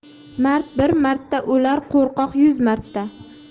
mard bir marta o'lar qo'rqoq yuz marta